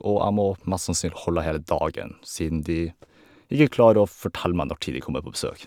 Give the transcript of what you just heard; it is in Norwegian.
Og jeg må mest sannsynlig holde av hele dagen siden de ikke klarer å fortelle meg når tid de kommer på besøk.